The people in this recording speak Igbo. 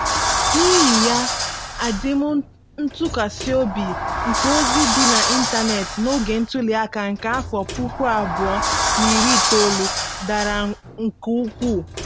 N'ihi ya, adịmụntụkwasịobi nke ozi dị n'ịntaneetị n'oge ntụliaka nke afọ 2019 dara nke ukwuu.